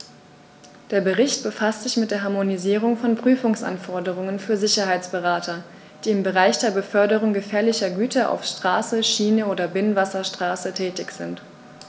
Der Bericht befasst sich mit der Harmonisierung von Prüfungsanforderungen für Sicherheitsberater, die im Bereich der Beförderung gefährlicher Güter auf Straße, Schiene oder Binnenwasserstraße tätig sind.